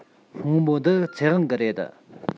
སྔོན པོ འདི ཚེ དབང གི རེད